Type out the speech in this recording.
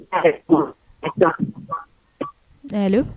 Sanunɛ yo yo sa